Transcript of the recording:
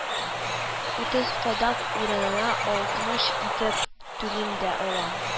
Утыз кадак урынына алтмыш итеп түлим дә, алам